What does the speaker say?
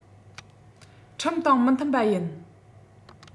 ཁྲིམས དང མི མཐུན པ ཡིན